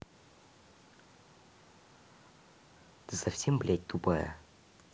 ты совсем блядь тупая